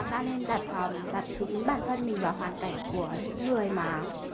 ta nên đặt đặt chính bản thân mình vào hoàn cảnh của những người mà